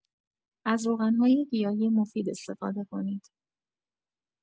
از روغن‌های گیاهی مفید استفاده کنید.